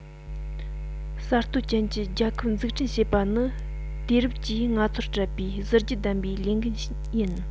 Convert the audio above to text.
གསར གཏོད ཅན གྱི རྒྱལ ཁབ འཛུགས སྐྲུན བྱེད པ ནི དུས རབས ཀྱིས ང ཚོར སྤྲད པའི གཟི བརྗིད ལྡན པའི ལས འགན ཡིན